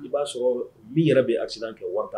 I b'a sɔrɔ min yɛrɛ bɛ accident kɛ waa t'a